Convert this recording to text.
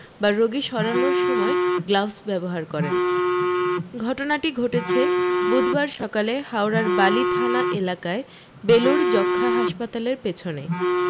বা রোগী সরানোর সময় গ্লাভস ব্যবহার করেন ঘটনাটি ঘটেছে বুধবার সকালে হাওড়ার বালি থানা এলাকায় বেলুড় যক্ষ্মা হাসপাতালের পেছনে